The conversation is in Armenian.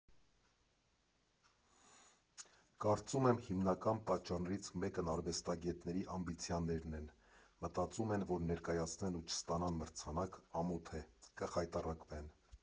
Կարծում եմ՝ հիմնական պատճառներից մեկն արվեստագետների ամբիցիաներն են, մտածում են, որ ներկայացնեն ու չստանան մրցանակ, ամոթ է, կխայտառակվեն։